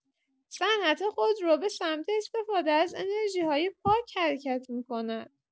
صنعت خودرو به سمت استفاده از انرژی‌های پاک حرکت می‌کند.